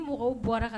Ni mɔgɔw bɔra